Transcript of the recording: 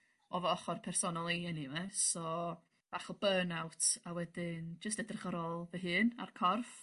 o fy ochor personol ei eniwe so bach o burn out a wedyn jyst edrych ar ôl fy hun a'r corff.